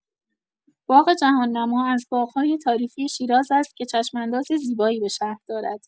باغ جهان‌نما از باغ‌های تاریخی شیراز است که چشم‌انداز زیبایی به شهر دارد.